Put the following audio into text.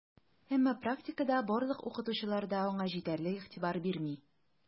Әмма практикада барлык укытучылар да аңа җитәрлек игътибар бирми: